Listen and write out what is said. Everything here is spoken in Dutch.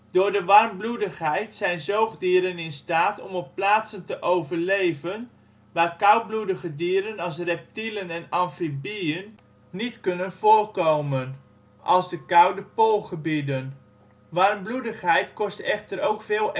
Door de warmbloedigheid zijn zoogdieren in staat om op plaatsen te overleven waar koudbloedige dieren als reptielen en amfibieën niet kunnen voorkomen, als de koude poolgebieden. Warmbloedigheid kost echter ook veel